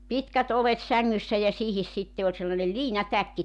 pitkät oljet sängyssä ja siihen sitten oli sellainen liinatäkki